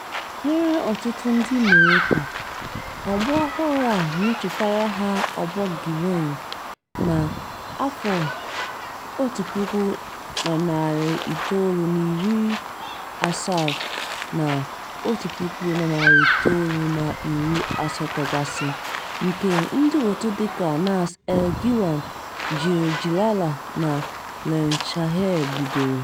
Nyere ọtụtụ ndị Morocco, ọgbọ ọhụrụ a na-echetara ha ọgbọ Ghiwane na 1970s na 80s, nke ndịòtù dịka Nass El Ghiwane, Jil Jilala na Lemchaheb bidoro.